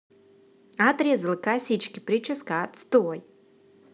отрезала косички прическа отстой